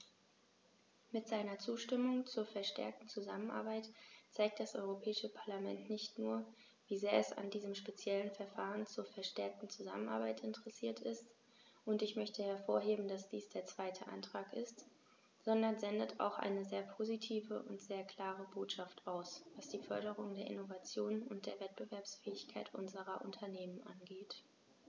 Mit seiner Zustimmung zur verstärkten Zusammenarbeit zeigt das Europäische Parlament nicht nur, wie sehr es an diesem speziellen Verfahren zur verstärkten Zusammenarbeit interessiert ist - und ich möchte hervorheben, dass dies der zweite Antrag ist -, sondern sendet auch eine sehr positive und sehr klare Botschaft aus, was die Förderung der Innovation und der Wettbewerbsfähigkeit unserer Unternehmen angeht.